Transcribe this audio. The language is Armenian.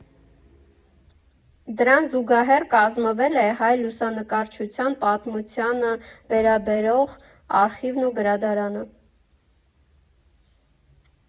Դրան զուգահեռ կազմվել է հայ լուսանկարչության պատմությանը վերաբերող արխիվն ու գրադարանը։